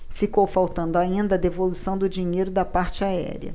ficou faltando ainda a devolução do dinheiro da parte aérea